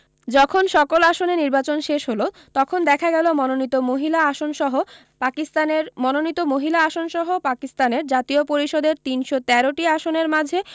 যখন সকল আসনে নির্বাচন শেষ হলো তখন দেখা গেল মনোনীত মহিলা আসনসহ পাকিস্তানের মনোনীত মহিলা আসনসহ পাকিস্তানের জাতীয় পরিষদের ৩১৩টি আসনের মাঝে